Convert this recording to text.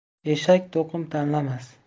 eshak to'qim tanlamas